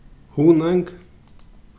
hunang